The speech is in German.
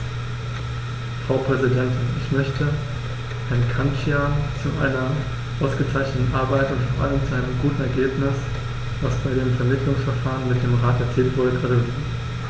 Frau Präsidentin, ich möchte Herrn Cancian zu seiner ausgezeichneten Arbeit und vor allem zu dem guten Ergebnis, das bei dem Vermittlungsverfahren mit dem Rat erzielt wurde, gratulieren.